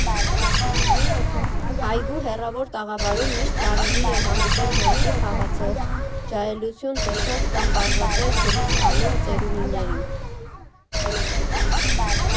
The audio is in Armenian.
Այգու հեռավոր տաղավարում միշտ կարելի է հանդիպել նարդի խաղացող, ջահելություն հիշող կամ պարզապես զրից անող ծերունիներին։